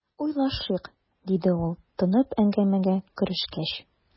"уйлашыйк", - диде ул, тынып, әңгәмәгә керешкәч.